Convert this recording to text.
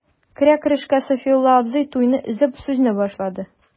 Керә-керешкә Сафиулла абзый, туйны өзеп, сүзен башлады.